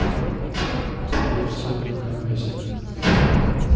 я все дуракам песня